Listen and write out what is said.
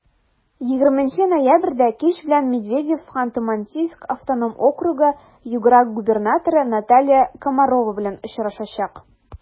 20 ноябрьдә кич белән медведев ханты-мансийск автоном округы-югра губернаторы наталья комарова белән очрашачак.